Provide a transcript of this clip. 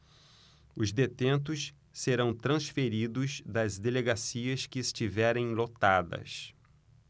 os detentos serão transferidos das delegacias que estiverem lotadas